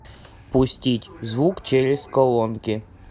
пустить звук через колонки